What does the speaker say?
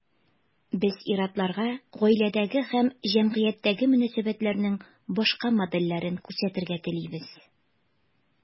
Без ир-атларга гаиләдәге һәм җәмгыятьтәге мөнәсәбәтләрнең башка модельләрен күрсәтергә телибез.